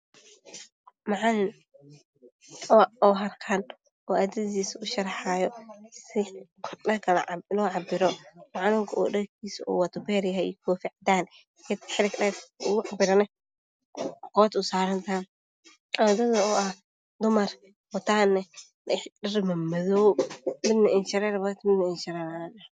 Waa macalin harqaan oo ardaydiisa usharxaayo sida dharka loo cabiro. Macalinka dharka uu wato waa beer iyo koofi cadaan ah, xariga dharka lugu cabiro uu qoorta usaaran yahay, ardayda oo ah dumar dhar madow wato midna indho shareer ayay wadataa midna waa indho shareer la aan.